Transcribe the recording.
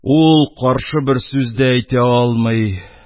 Ул каршы бер сүз дә әйтә алмый,